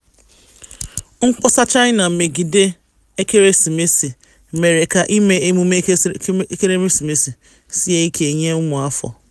Mkpọsa China megide ekeresimesi mere ka ime emume ekeresimesi sie ike nye ụmụafọ.